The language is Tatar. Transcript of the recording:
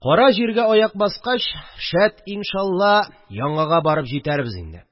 Кара җиргә аяк баскач, шәт иншалла, яңага барып җитәрбез инде